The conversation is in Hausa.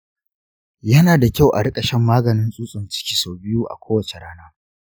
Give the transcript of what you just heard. yana da kyau a riƙa shan maganin tsutsan ciki sau biyu a kowace shekara.